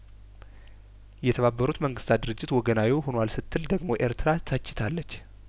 የተባበሩት መንግስታት ድርጅት ወገናዊ ሆኗል ስትል ደግሞ ኤርትራ ተችታለች